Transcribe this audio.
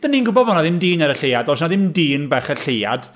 Dan ni'n gwybod bod 'na ddim dyn ar y Lleuad, does 'na ddim dyn bach ar y Lleuad.